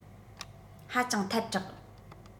ཧ ཅང ཐལ དྲགས